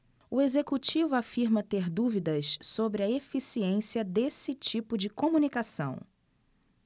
o executivo afirma ter dúvidas sobre a eficiência desse tipo de comunicação